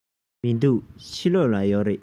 མི འདུག ཕྱི ལོགས ལ ཡོད རེད